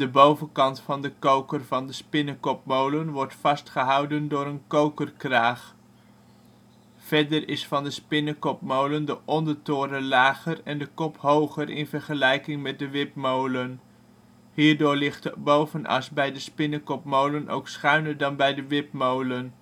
bovenkant van de koker van de spinnekopmolen wordt vastgehouden door een kokerkraag. Verder is van de spinnekopmolen de ondertoren lager en de kop hoger in vergelijking met de wipmolen. Hierdoor ligt de bovenas bij de spinnekopmolen ook schuiner dan bij de wipmolen